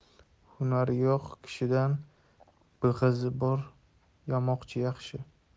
hunari yo'q kishidan bigizi bor yamoqchi yaxshi